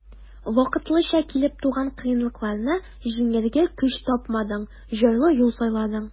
Вакытлыча килеп туган кыенлыкларны җиңәргә көч тапмадың, җайлы юл сайладың.